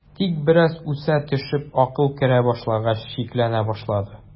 Тик бераз үсә төшеп акыл керә башлагач, шикләнә башлады.